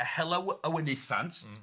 Y hela w- y wynaethant m-hm.